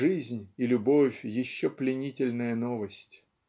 жизнь и любовь -- еще пленительная новость.